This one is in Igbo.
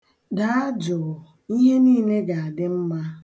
Daa jụụ, ihe niile ga-adị mma.